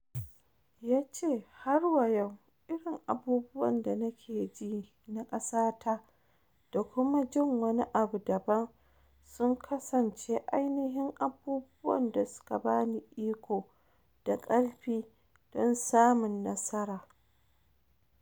Ya ce: "Har wa yau, irin abubuwan da nake ji na ƙasa ta, da kuma jin wani abu daban, sun kasance ainihin abubuwan da suka ba ni iko da karfi don samun nasara."